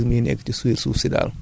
nga yëngalaat suuf si